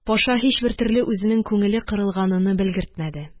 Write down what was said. Паша һичбер төрле үзенең күңеле кырылганыны белгертмәде